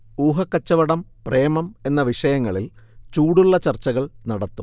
ഊഹക്കച്ചവടം, പ്രേമം എന്ന വിഷയങ്ങളിൽ ചൂടുള്ള ചർച്ചകൾ നടത്തും